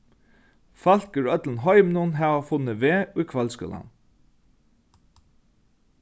fólk úr øllum heiminum hava funnið veg í kvøldskúlan